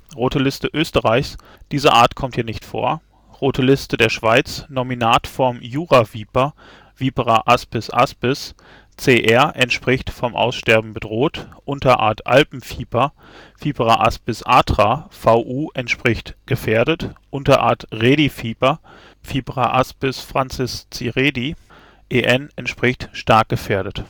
Rote Liste Österreichs: (diese Art kommt hier nicht vor) Rote Liste der Schweiz: Nominatform " Juraviper " (Vipera aspis aspis): CR (entspricht: vom Aussterben bedroht) Unterart " Alpenviper " (Vipera aspis atra): VU (entspricht: gefährdet) Unterart " Rediviper " (Vipera aspis francisciredi): EN (entspricht: stark gefährdet